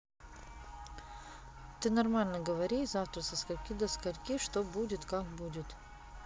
ты нормально говори завтра со скольки до скольки что будет как будет